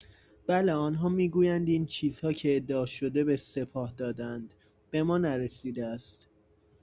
بله آنها می‌گویند این چیزها که ادعا شده به سپاه داده‌اند، به ما نرسیده است.